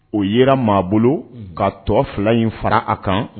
O ye maa bolo ka tɔ fila in fara a kan